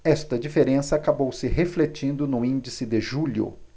esta diferença acabou se refletindo no índice de julho